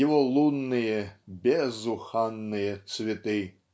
его лунные безуханные цветы.